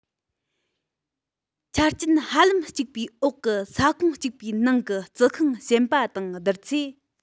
ཆ རྐྱེན ཧ ལམ གཅིག པའི འོག གི ས ཁོངས གཅིག པའི ནང གི རྩི ཤིང གཞན པ དང བསྡུར ཚེ